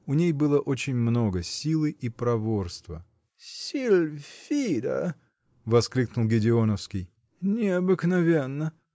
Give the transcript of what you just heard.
У ней было очень много силы и проворства. -- Сильфида! -- воскликнул Гедеоновский. -- Необыкновенно!